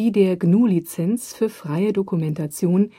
GNU Lizenz für freie Dokumentation